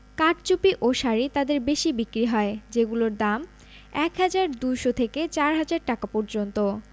কারচুপি ও শাড়ি তাঁদের বেশি বিক্রি হয় যেগুলোর দাম ১ হাজার ২০০ থেকে ৪ হাজার টাকা পর্যন্ত